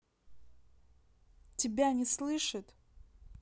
тебя не слышит